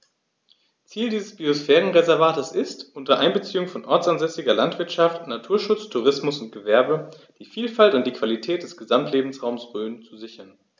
Ziel dieses Biosphärenreservates ist, unter Einbeziehung von ortsansässiger Landwirtschaft, Naturschutz, Tourismus und Gewerbe die Vielfalt und die Qualität des Gesamtlebensraumes Rhön zu sichern.